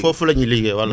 foofu la ñuy liggéeyee voilà